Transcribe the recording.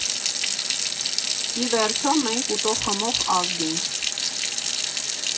Ի վերջո, մենք ուտող֊խմող ազգ ենք։